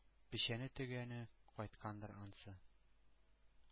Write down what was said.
Печәне-төгәне кайткандыр анысы,